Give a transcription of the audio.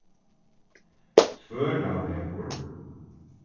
tvørávegur